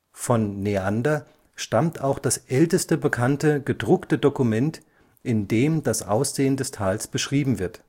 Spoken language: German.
Von Neander stammt auch das älteste bekannte gedruckte Dokument, in dem das Aussehen des Tals beschrieben wird